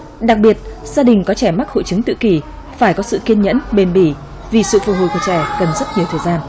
đặc biệt gia đình có trẻ mắc hội chứng tự kỷ phải có sự kiên nhẫn bền bỉ vì sự phục hồi của trẻ cần rất nhiều thời gian